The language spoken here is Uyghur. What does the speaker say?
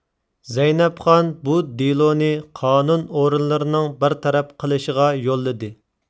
زەينەپخان بۇ دېلونى قانۇن ئورۇنلىرىنىڭ بىر تەرەپ قىلىشىغا يوللىدى